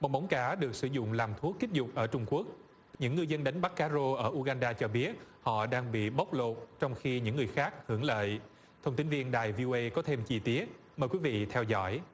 bong bóng cá được sử dụng làm thuốc kích dục ở trung quốc những ngư dân đánh bắt cá rô ở u gan da cho biết họ đang bị bóc lột trong khi những người khác hưởng lợi thông tấn viên đài vi âu ây có thêm chi tiết mời quý vị theo dỏi